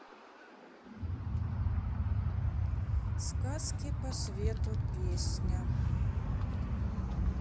сказки по свету песня